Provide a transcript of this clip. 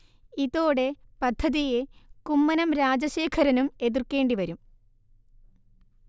ഇതോടെ പദ്ധതിയെ കുമ്മനം രാജശേഖരനും എതിർക്കേണ്ടി വരും